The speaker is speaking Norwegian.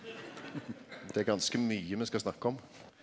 det er ganske mykje me skal snakka om.